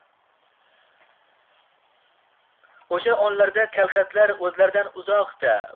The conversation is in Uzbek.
osha onlarda kalxatlar o'zlaridan uzoqda